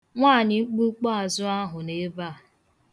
Nwaanyị mkpumkpuazụ ahụ nọ ebe a.